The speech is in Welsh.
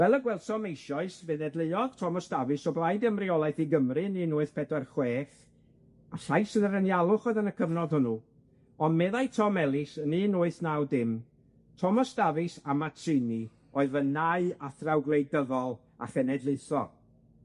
Fel y gwelsom eisoes, fe ddadleuodd Thomas Davis o blaid ymreolaeth i Gymru yn un wyth pedwar chwech, a llais yn yr anialwch oedd yn y cyfnod hwnnw, on' meddai Tom Ellis yn un wyth naw dim, Thomas Davis a Mazzini oedd fy nau athraw gwleidyddol a chenedlaethol.